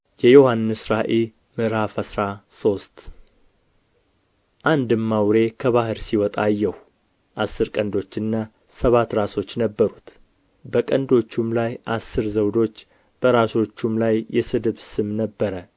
የዮሐንስ ራእይ ምዕራፍ አስራ ሶስት አንድም አውሬ ከባሕር ሲወጣ አየሁ አሥር ቀንዶችና ሰባት ራሶች ነበሩት በቀንዶቹም ላይ አሥር ዘውዶች በራሶቹም ላይ የስድብ ስም ነበረ